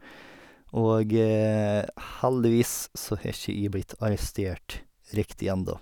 Og heldigvis så har ikke jeg blitt arrestert riktig enda.